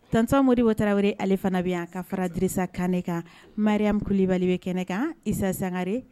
1samodi wo tarawelew ale fana bɛ yan ka faradrisa kan kan mariakululibali bɛ kɛnɛ kan isa zangare